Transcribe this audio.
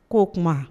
Ko o tuma